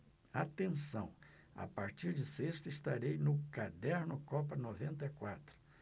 atenção a partir de sexta estarei no caderno copa noventa e quatro